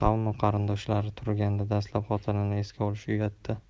qavm qarindoshlari turganda dastlab xotinini esga olish uyatda